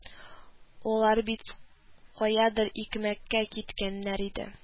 Алар бит каядыр икмәккә киткәннәр иде